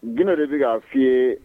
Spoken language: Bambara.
Gindo de bɛ k'a f'i ye